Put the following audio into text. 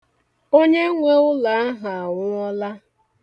Onyenwe ụlọ ahụ anwụọla.